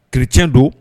Kirec don